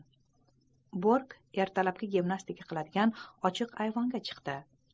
bork ertalabki gimnastika qiladigan ochiq ayvonga chiqdi